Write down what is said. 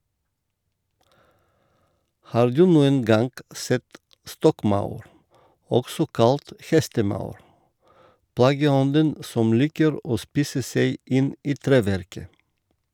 Har du noen gang sett stokkmaur, også kalt hestemaur, plageånden som liker å spise seg inn i treverket?